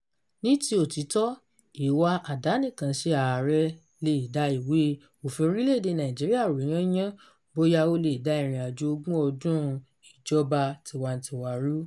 Ní ti òtítọ́, ìwà àdánìkanṣe ààrẹ lè da ìwé òfin orílẹ̀-èdè Nàìjíríà rú yányán, bóyá, ó lè da ìrìnàjò ogún ọdún ìjọba tiwantiwa rú.